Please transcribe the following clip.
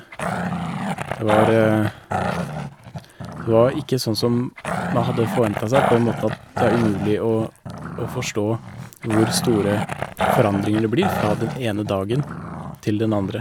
det var Det var ikke sånn som man hadde forventa seg, på den måten at det er umulig å å forstå hvor store forandringer det blir, fra den ene dagen til den andre.